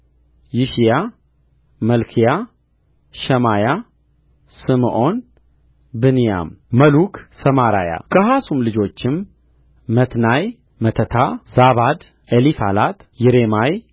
ይሺያ መልክያ ሸማያ ስምዖን ብንያም መሉክ ሰማራያ ከሐሱም ልጆችም መትናይ መተታ ዛባድ ኤሊፋላት ይሬማይ